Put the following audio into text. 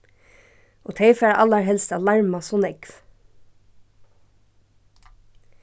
og tey fara allarhelst at larma so nógv